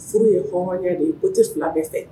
Furu ye hɔnrɔnya de ye o bɛɛ tɛ .